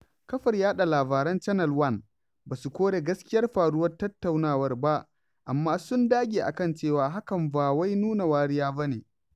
Kafar yaɗa labaran Channel One ba su kore gaskiyar faruwar tattaunawar ba, amma sun dage a kan cewa hakan ba wai nuna wariya ba ne.